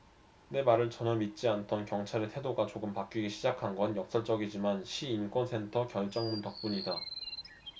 내 말을 전혀 믿지 않던 경찰의 태도가 조금 바뀌기 시작한 건 역설적이지만 시 인권센터 결정문 덕분이다